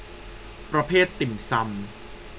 ประเภทติ่มซำ